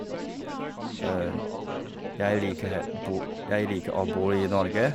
jeg liker bo Jeg liker å bor i Norge.